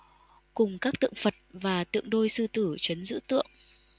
cùng các tượng phật và tượng đôi sư tử trấn giữ tượng